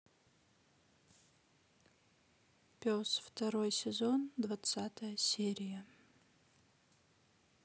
пес второй сезон двадцатая серия